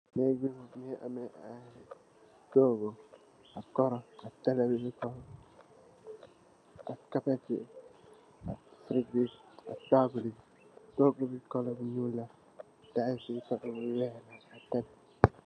Neek bi mungi ame aye toguh karo mungi am, carpet bi fridge bi togub bi colour bu nyul la tiles yi colour bu weex la